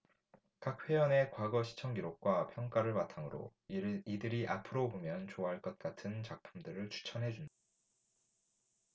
각 회원의 과거 시청 기록과 평가를 바탕으로 이들이 앞으로 보면 좋아할 것 같은 작품들을 추천해 준다